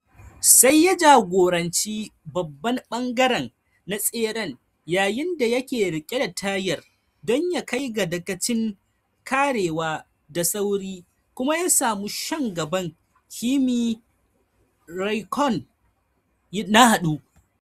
Sai ya jagoranci babban ɓangare na tseren yayin da yake rike da tayar don ya kai ga dagacin karewa da sauri kuma ya samu shan gaban Kimi Raikkonen na hudu.